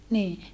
niin